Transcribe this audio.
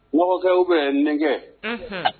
Mɔgɔkɛ bɛ n kɛ